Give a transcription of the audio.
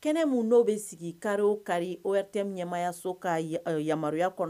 Kɛnɛ min dɔw bɛ sigi kari kari o tɛ ɲɛmaayaso ka yamaruyaya kɔnɔ